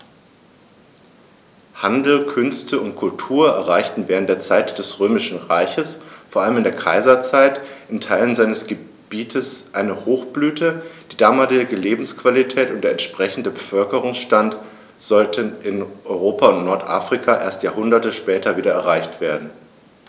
Handel, Künste und Kultur erreichten während der Zeit des Römischen Reiches, vor allem in der Kaiserzeit, in Teilen seines Gebietes eine Hochblüte, die damalige Lebensqualität und der entsprechende Bevölkerungsstand sollten in Europa und Nordafrika erst Jahrhunderte später wieder erreicht werden.